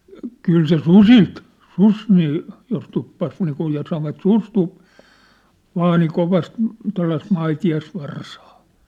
kyllä se susilta susi niin jos tuppasi niin kuin ja sanoivat susi - vaani kovasti tuollaista maitiaisvarsaa